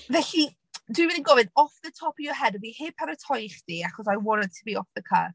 Felly dwi'n mynd i gofyn off the top of your head. A dwi heb paratoi chdi, achos I want it to be off the cuff.